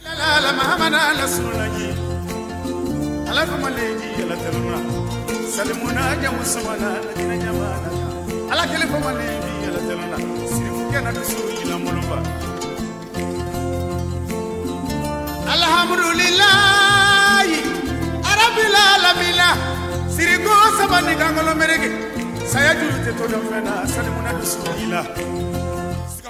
Alamu ala alaha la alala sigi saba nikolon bɛge saya tɛ tɔ la